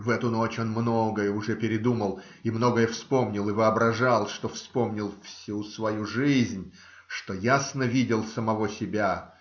В эту ночь он многое уже передумал и многое вспомнил и воображал, что вспомнил всю свою жизнь, что ясно видел самого себя.